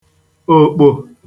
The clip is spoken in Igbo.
òkpò